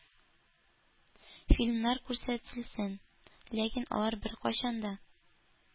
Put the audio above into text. Фильмнар күрсәтелсен, ләкин алар беркайчан да,